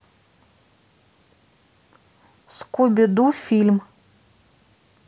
скуби ду фильм